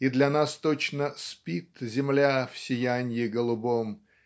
и для нас точно "спит земля в сияньи голубом"